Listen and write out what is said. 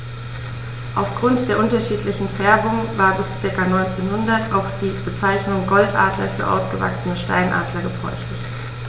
Auf Grund der unterschiedlichen Färbung war bis ca. 1900 auch die Bezeichnung Goldadler für ausgewachsene Steinadler gebräuchlich.